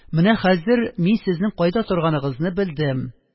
Менә хәзер мин сезнең кайда торганыгызны белдем,